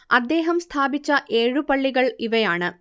അദ്ദേഹം സ്ഥാപിച്ച ഏഴു പള്ളികൾ ഇവയാണ്